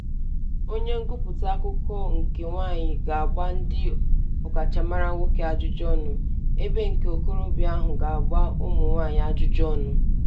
Onye ngụpụta akụkọ nke nwaanyị ga-agba ndị ọkachamara nwoke ajụjụọnụ, ebe nke okorobịa ahụ ga-agba ụmụnwaanyị ajụjụọnụ.